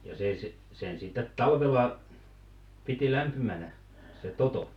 ja se - sen sitten talvella piti lämpimänä se toto